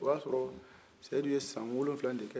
o y'a sɔrɔ seyidu ye san wolonwula de kɛ